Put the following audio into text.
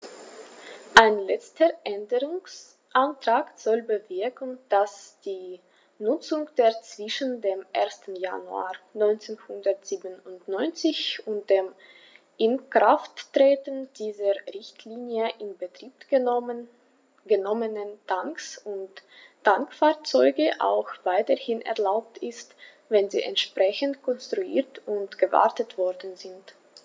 Ein letzter Änderungsantrag soll bewirken, dass die Nutzung der zwischen dem 1. Januar 1997 und dem Inkrafttreten dieser Richtlinie in Betrieb genommenen Tanks und Tankfahrzeuge auch weiterhin erlaubt ist, wenn sie entsprechend konstruiert und gewartet worden sind.